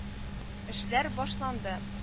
Эшләр башланды